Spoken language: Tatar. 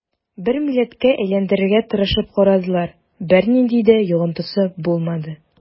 Бер милләткә әйләндерергә тырышып карадылар, бернинди дә йогынтысы булмады.